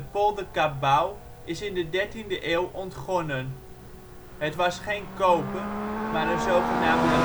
polder Cabauw is in de 13e eeuw ontgonnen. Het was geen cope, maar een zogenaamde